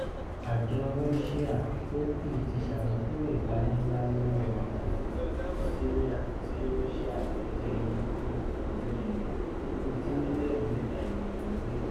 Ajọsọ Ruṣia-Tọki ti ṣamukúrò ipani nla lọwọ awọn ọmọ ogun Siria ti Ruṣia kin lẹhin ni ipinlẹ naa, nibiti milionu meta eniyan n gbe.